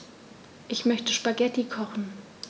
Ich möchte Spaghetti kochen.